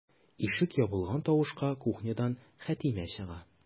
Ишек ябылган тавышка кухнядан Хәтимә чыга.